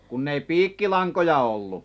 kun ei piikkilankoja ollut